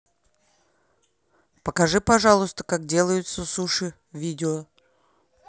покажи пожалуйста как делаются суши видео